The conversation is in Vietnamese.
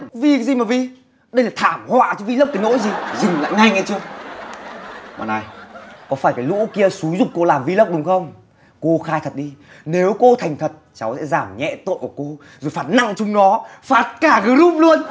vì cái gì mà vì đây là thảm họa chứ vi lốc cái nỗi gì rình lại ngay nghe chưa mà nài có phải cái lũ kia xúi giục cô làm vi lốc đúng không cô khai thật đi nếu cô thành thật cháu sẽ giảm nhẹ tội của cô và phạt nặng chúng nó phạt cả gờ rúp luôn